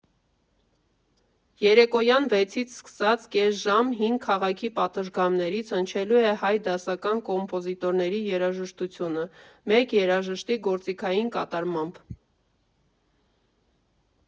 Երեկոյան վեցից սկսած կես ժամ հին քաղաքի պատշգամբներից հնչելու է հայ դասական կոմպոզիտորների երաժշտությունը՝ մեկ երաժշտի գործիքային կատարմամբ։